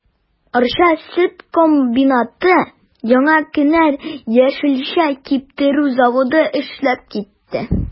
Арча сөт комбинаты, Яңа кенәр яшелчә киптерү заводы эшләп китте.